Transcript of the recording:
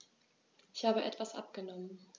Ich habe etwas abgenommen.